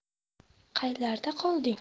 qaylarda qolding